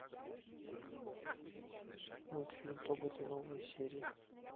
мультфильм тоботы новые серии